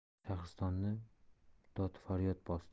shahristonni dodfaryod bosdi